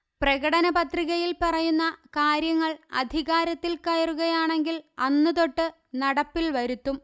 പ്രകടന പത്രികയിൽ പറയുന്ന കാര്യങ്ങൾ അധികാരത്തിൽ കയറുകയാണെങ്കിൽ അന്നു തൊട്ട് നടപ്പിൽ വരുത്തും